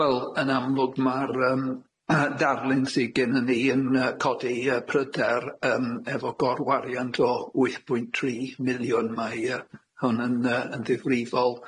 Wel yn amlwg ma'r yym darlun sy gennyn ni yn yy codi pryder yym efo gorwariant o wyth pwynt tri miliwn, mae yy hwn yn yy yn ddifrifol.